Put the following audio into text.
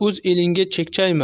o'z elingga chekchayma